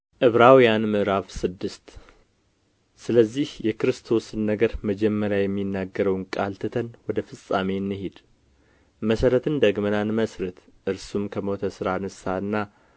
ዕብራውያን ምዕራፍ ስድስት ስለዚህ የክርስቶስን ነገር መጀመሪያ የሚናገረውን ቃል ትተን ወደ ፍጻሜ እንሂድ መሠረትን ደግመን አንመሥርት እርሱም ከሞተ ሥራ ንስሐና